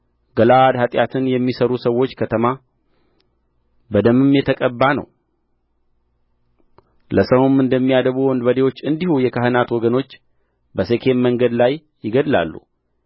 ገለዓድ ኃጢአትን የሚሠሩ ሰዎች ከተማ በደምም የተቀባ ነው ለሰውም እንደሚያደቡ ወንበዴዎች እንዲሁ የካህናት ወገኖች በሴኬም መንገድ ላይ ይገድላሉ